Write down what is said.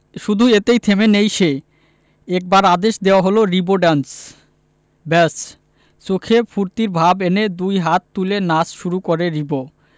শুধু এতেই থেমে নেই সে একবার আদেশ দেওয়া হলো রিবো ড্যান্স ব্যাস চোখে ফূর্তির ভাব এনে দুই হাত তুলে নাচ শুরু করে রিবো